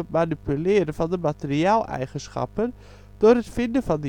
manipuleren van de materiaaleigenschappen door het vinden van